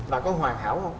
và có hoàn hảo hông